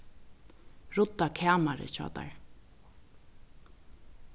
rudda kamarið hjá tær